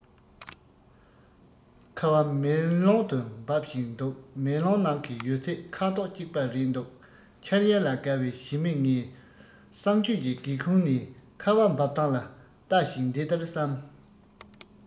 ཁ བ མེ ལོང དུ འབབ བཞིན འདུག མེ ལོང ནང གི ཡོད ཚད ཁ དོག གཅིག པ རེད འདུག འཆར ཡན ལ དགའ བའི ཞི མི ངས གསང སྤྱོད ཀྱི སྒེའུ ཁུང ནས ཁ བ འབབ སྟངས ལ ལྟ བཞིན འདི ལྟར བསམ